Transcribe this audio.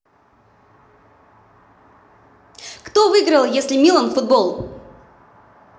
кто выиграл если милан футбол